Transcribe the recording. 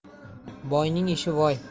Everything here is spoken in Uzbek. boyning ishi voy